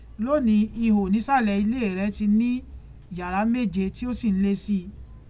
Lónìí, ihò nísàlẹ̀ ilẹ̀ẹ rẹ̀ ti ní yàrá méje tí ó sì ń lé sí i.